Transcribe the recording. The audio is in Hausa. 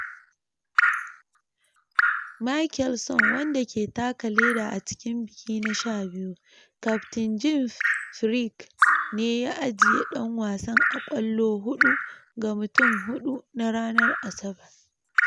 Mickelson, wanda ke taka leda a cikin biki na 12, kyaftin Jim Furyk ne ya ajiye dan wasan a kwallo hudu ga mutum hudu na ranar Asabar.